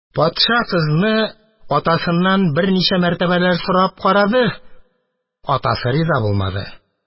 Патша кызны атасыннан берничә мәртәбәләр сорап карады, атасы риза булмады.